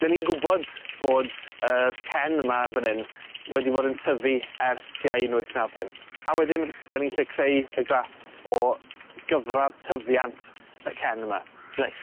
'Dyn ni'n gwbod bod yr cen yma fyn 'yn wedi bod yn tyfu ers tua un wyth naw pump a wedyn 'dyn ni'n 'llu creu y graff o gyfradd tyfiant y cen yma. Reit.